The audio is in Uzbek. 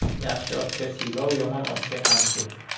yaxshi otga siylov yomon otga qamchi